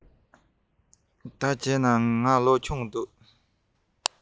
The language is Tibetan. འོ བྱས ན ང ལོ ཆུང བ འདུག